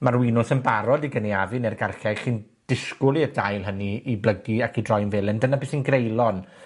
ma'r winwns yn barod i gynaeafu ne'r garlleg, chi'n disgwl i'r dail hynny i blygu ac i droi'n felen. Dyna be sy'n greulon